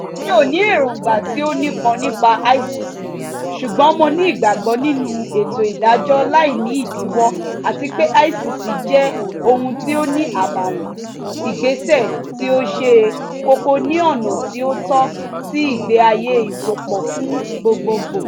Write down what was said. Mi ò ní èròńgbà tí ó nípọn nípa ICC, ṣùgbọ́n mo ní ìgbàgbọ́ nínú ètò ìdájọ́ láì ni ìdíwọ́, àti pé ICC jẹ́ (ohun tí ó ní àbàwọ́n) ìgbésẹ̀ tí ó ṣe kókó ni ọ̀nà tí ó tọ́ sí ìgbé ayé ìsopọ̀ fún gbogbogbò